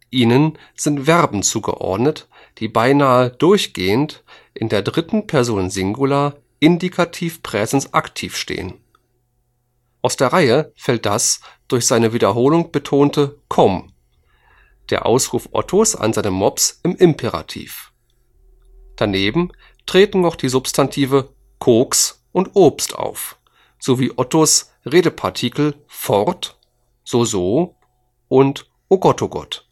Ihnen sind Verben zugeordnet, die beinahe durchgehend in der dritten Person Singular Indikativ Präsens Aktiv stehen. Aus der Reihe fällt das durch seine Wiederholung betonte „ komm “, der Ausruf Ottos an seinen Mops im Imperativ. Daneben treten noch die Substantive „ koks “und „ obst “auf, sowie Ottos Redepartikel „ fort “,„ soso “und „ ogottogott